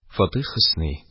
Фатих Хөсни